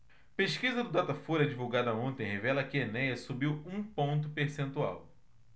pesquisa do datafolha divulgada ontem revela que enéas subiu um ponto percentual